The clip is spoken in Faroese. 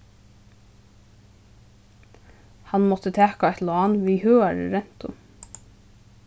hann mátti taka eitt lán við høgari rentu